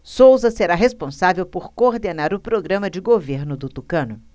souza será responsável por coordenar o programa de governo do tucano